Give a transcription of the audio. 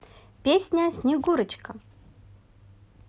песня снегурочка